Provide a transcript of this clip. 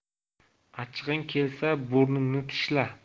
achchig'ing kelsa burningni tishla